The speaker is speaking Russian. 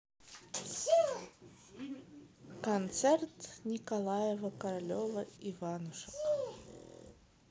концерт николаева королева иванушек